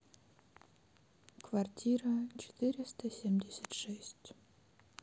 квартира четыреста семьдесят шесть